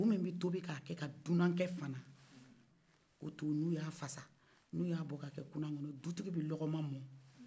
o to min tebi ka kɛ ka dunankɛ fana o to n'o ya fasa o b'a bɔ ka kɛ kunna kɔnɔ dutigi bɛ logɔman mɔ